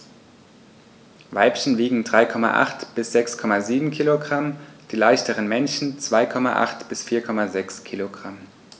Weibchen wiegen 3,8 bis 6,7 kg, die leichteren Männchen 2,8 bis 4,6 kg.